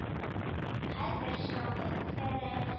Хәзер чаңгы эзләре